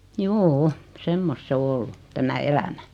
juu semmoista se on ollut tämä elämä